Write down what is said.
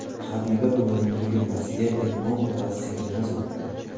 habiba buvining yigirmasiga ermon buva sigirini sotdi